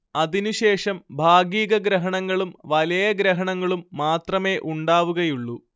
അതിന്ശേഷം ഭാഗികഗ്രഹണങ്ങളും വലയഗ്രഹണങ്ങളും മാത്രമേ ഉണ്ടാവുകയുള്ളൂ